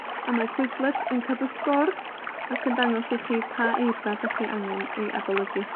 A mae Quizlet yn cadw sgôr, ac yn dangos i chi pa eirfa 'dach chi angen ei adolygu.